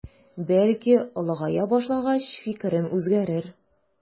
Бәлки олыгая башлагач фикерем үзгәрер.